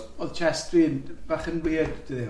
O, oedd chest fi'n bach yn weird dyddiau ma.